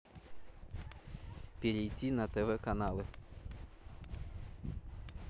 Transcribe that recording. перейти на тв каналы